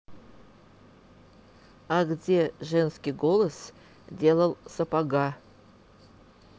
а где женский голос делал сапога